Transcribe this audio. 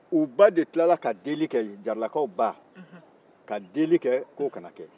jaralakaw ba de tilala ka deelili kɛ k'o kana kɛ